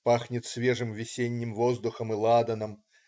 Пахнет свежим весенним воздухом и ладаном.